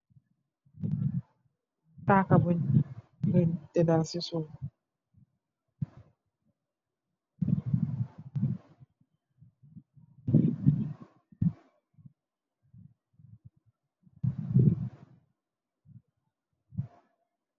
Paaka bung dedal ci suuf.